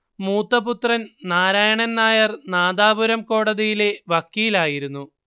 മൂത്ത പുത്രൻ നാരായണൻ നായർ നാദാപുരം കോടതിയിലെ വക്കീലായിരുന്നു